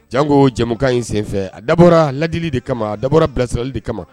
Jango jɛkan in senfɛ a dabɔra ladili de kama a dabɔra bilasirali de kama